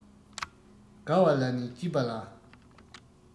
དགའ བ ལ ནི སྐྱིད པ ལ